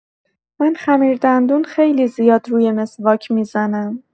من خمیردندون خیلی زیاد روی مسواک می‌زنم.